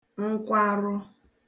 nkwarụ